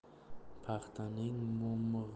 paxtaning momig'ini askar